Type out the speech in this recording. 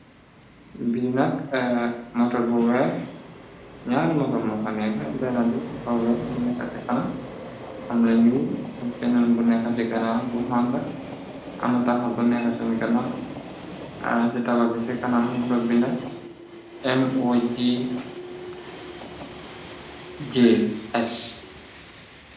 Bii nak "moto" bu weex, ñaari "motto" mo fa neeka benna bi defa weex, bu nekka ci kanam am la ñuul ak benen bu nekka ci ganaw bu xoñxu, am na tax bu nekka seen ganaaw si tabagi, si kanam ñung ko binda "MOJJS."